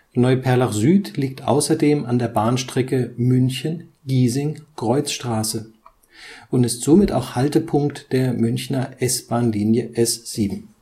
Neuperlach Süd liegt außerdem an der Bahnstrecke München-Giesing – Kreuzstraße und ist somit auch Haltepunkt der Münchner S-Bahnlinie S7